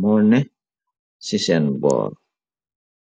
moo ne ci seen boor.